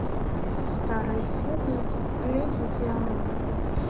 старые серии леди дианы